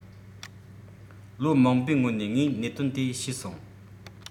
ལོ མང པོའི སྔོན ནས ངས གནད དོན དེ ཤེས བྱུང